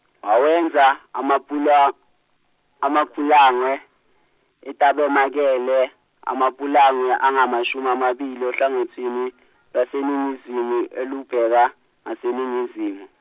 wawenza amapula- amapulangwe eTabamakele, amapulangwe angamashumi amabili ohlangothini lwaseningizimu olubheka ngaseNingizimu.